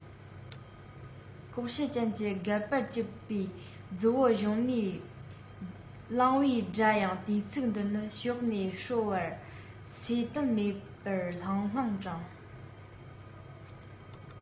ལྐོག ཤལ ཅན གྱི སྒལ པར བཅིབས པའི རྫི བོ གཞོན ནུའི གླིང བུའི སྒྲ ཡང དུས ཚིགས འདིར ནི ཞོགས ནས སྲོད བར སོས དལ མེད པར ལྷང ལྷང གྲངས